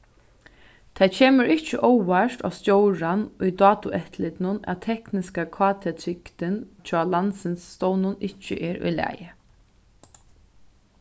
tað kemur ikki óvart á stjóran í dátueftirlitinum at tekniska kt-trygdin hjá landsins stovnum ikki er í lagi